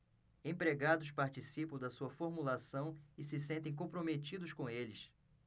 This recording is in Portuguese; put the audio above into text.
empregados participam da sua formulação e se sentem comprometidos com eles